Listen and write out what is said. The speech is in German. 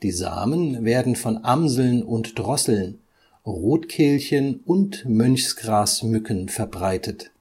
Samen werden von Amseln und Drosseln, Rotkehlchen und Mönchsgrasmücken verbreitet